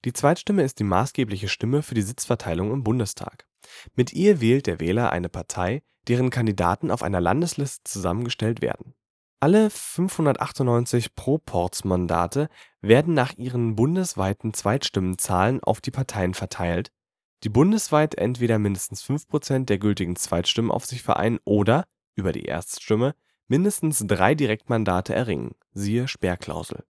Zweitstimme ist die maßgebliche Stimme für die Sitzverteilung im Bundestag. Mit ihr wählt der Wähler eine Partei, deren Kandidaten auf einer Landesliste zusammengestellt werden. Alle 598 Proporzmandate werden nach ihren bundesweiten Zweitstimmenzahlen auf die Parteien verteilt, die bundesweit entweder mindestens 5 % der gültigen Zweitstimmen auf sich vereinen oder (über die Erststimme) mindestens drei Direktmandate erringen (siehe Sperrklausel